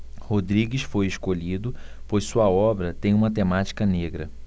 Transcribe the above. rodrigues foi escolhido pois sua obra tem uma temática negra